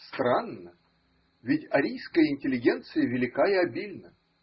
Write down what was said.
Странно, ведь арийская интеллигенция велика и обильна.